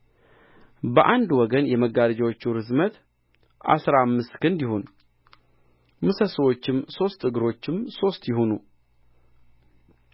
በአንድ ወገን የመጋረጆቹ ርዝመት አሥራ አምስት ክንድ ይሁን ምሰሶቹም ሦስት እግሮቹም ሦስት ይሁኑ